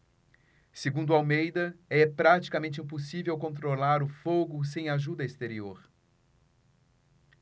segundo almeida é praticamente impossível controlar o fogo sem ajuda exterior